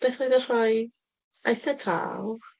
Beth oedd y rhai eitha tal?